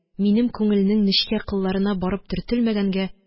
Минем күңелнең нечкә кылларына барып төртелмәгәнгә